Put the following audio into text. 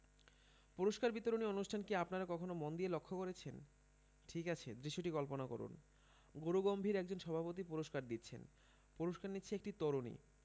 পুরস্কার বিতরণী অনুষ্ঠান কি আপনারা কখনো মন দিয়ে লক্ষ্য করেছেন ঠিক আছে দৃশ্যটি কল্পনা করুন গুরুগম্ভীর একজন সভাপতি পুরস্কার দিচ্ছেন পুরস্কার নিচ্ছে একটি তরুণী